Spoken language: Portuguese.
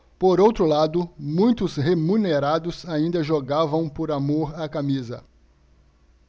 por outro lado muitos remunerados ainda jogavam por amor à camisa